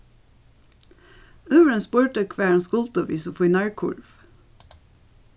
úlvurin spurdi hvar hon skuldi við so fínari kurv